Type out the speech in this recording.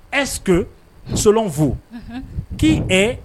Eseke solon fo k'i